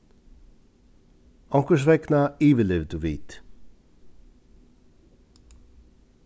onkursvegna yvirlivdu vit